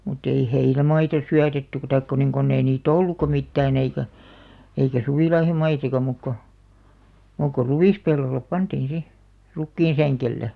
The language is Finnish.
mutta ei heinämaita syötetty tai kun niin kun ei niitä ollutkaan mitään eikä eikä suvilaihomaissakaan muuta kuin muuta kuin ruispellolle pantiin sitten rukiinsängelle